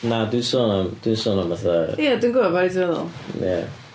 Na, dwi'n sôn am, dwi'n sôn am fatha... Ia, dwi'n gwbod pa rai ti'n feddwl... Ia.